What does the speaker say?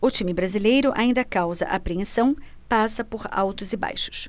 o time brasileiro ainda causa apreensão passa por altos e baixos